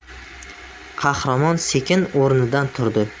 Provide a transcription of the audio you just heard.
qahramon sekin o'rnidan turdi